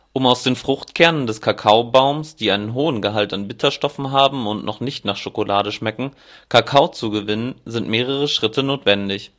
Um aus den Fruchtkernen des Kakaobaums, die einen hohen Gehalt an Bitterstoffen haben und noch nicht nach Schokolade schmecken, Kakao zu gewinnen, sind mehrere Schritte notwendig